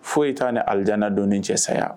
Foyi t'a ni alijana donni cɛ saya